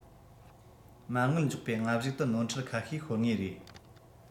མ དངུལ འཇོག པའི སྔ གཞུག ཏུ ནོར འཁྲུལ ཁ ཤས ཤོར ངེས རེད